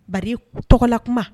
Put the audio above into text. Ba tɔgɔla kuma